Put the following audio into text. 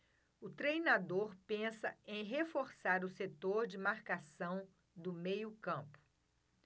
o treinador pensa em reforçar o setor de marcação do meio campo